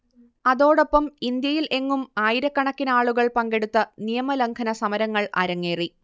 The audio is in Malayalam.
അതോടൊപ്പം ഇന്ത്യയിൽ എങ്ങും ആയിരക്കണക്കിനാളുകൾ പങ്കെടുത്ത നിയമലംഘന സമരങ്ങൾ അരങ്ങേറി